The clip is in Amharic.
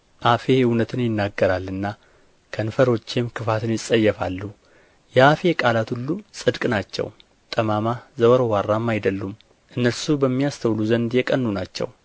አፌ እውነትን ይናገራልና ከንፈሮቼም ክፋትን ይጸየፋሉ የአፌ ቃላት ሁሉ ጽድቅ ናቸው ጠማማ ዘወርዋራም አይደሉም እነርሱ በሚያስተውሉ ዘንድ የቀኑ ናቸው